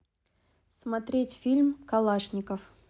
смотреть фильм калашников